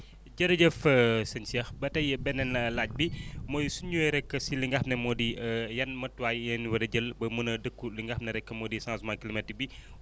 jërëjëf sëñ Cheikh ba tey beneen laaj bi mooy su ñëwee rek si li nga xam ne moo di yan matuwaay lañ war a jël ba mën a dëkku li nga xam ne rek moo di changement climatique bi